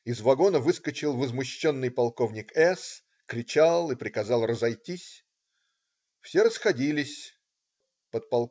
Из вагона выскочил возмущенный полковник С. , кричал и приказал разойтись. Все расходились. Подп.